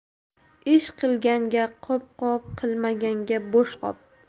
ish qilganga qop qop qilmaganga bo'sh qop